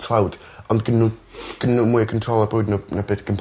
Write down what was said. tlawd ond gynnyn n'w gynnyn n'w mwy o control ar bywyd n'w na beth gin...